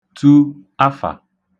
tu afà